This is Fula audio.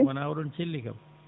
wonaa oɗon celli kam